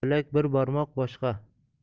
bilak bir barmoq boshqa